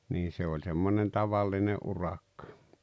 niin se oli semmoinen tavallinen urakka